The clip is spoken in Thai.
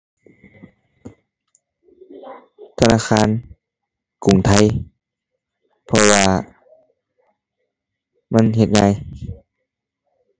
ธนาคารกรุงไทย เพราะว่ามันเฮ็ดง่าย